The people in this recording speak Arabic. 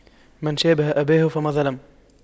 من شابه أباه فما ظلم